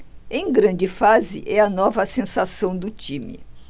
em grande fase é a nova sensação do time